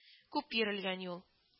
Күп йөрелгән юл